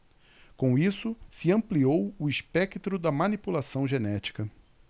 com isso se ampliou o espectro da manipulação genética